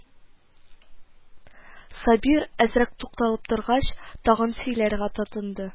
Сабир, әзрәк тукталып торгач, тагын сөйләргә тотынды: